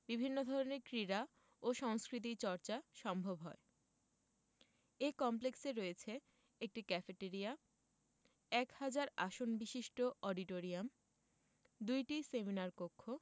বিভিন্ন ধরনের ক্রীড়া ও সংস্কৃতি চর্চা সম্ভব হয় এ কমপ্লেক্সে রয়েছে একটি ক্যাফেটেরিয়া এক হাজার আসনবিশিষ্ট অডিটোরিয়াম ২টি সেমিনার কক্ষ